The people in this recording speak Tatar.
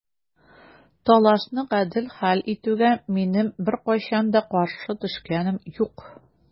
Талашны гадел хәл итүгә минем беркайчан да каршы төшкәнем юк.